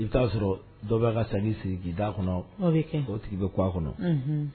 I bɛ t'a sɔrɔ dɔw bɛ ka sanni sigi'da kɔnɔ o tigi bɛ k a kɔnɔ